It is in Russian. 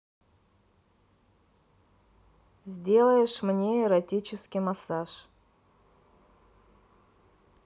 сделаешь мне эротический массаж